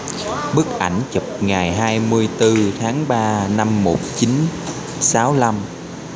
bức ảnh chụp ngày hai mươi tư tháng ba năm một chín sáu lăm